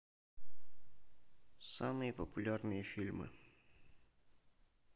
самые популярные фильмы